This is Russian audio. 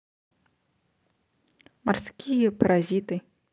морские паразиты